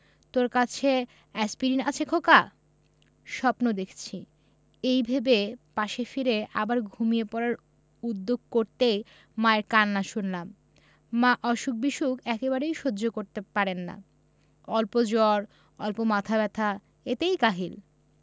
তোর কাছে এ্যাসপিরিন আছে খোকা স্বপ্ন দেখছি এই ভেবে পাশে ফিরে আবার ঘুমিয়ে পড়ার উদ্যোগ করতেই মায়ের কান্না শুনলাম মা অসুখ বিসুখ একেবারেই সহ্য করতে পারেন না অল্প জ্বর অল্প মাথা ব্যাথা এতেই কাহিল